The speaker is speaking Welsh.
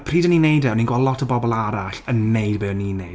Pryd o'n i'n wneud e, o'n i gweld lot o bobl arall yn wneud be o'n i'n wneud.